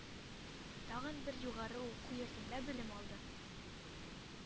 Тагын бер югары уку йортында белем алды.